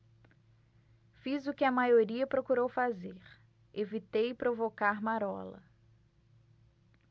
fiz o que a maioria procurou fazer evitei provocar marola